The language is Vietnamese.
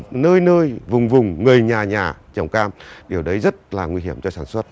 nơi nơi vùng vùng người nhà nhà trồng cam điều đấy rất là nguy hiểm cho sản xuất